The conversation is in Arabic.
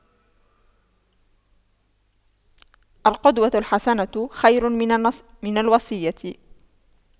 القدوة الحسنة خير من الوصية